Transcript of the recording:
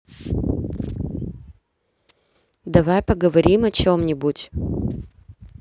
давай поговорим о чем нибудь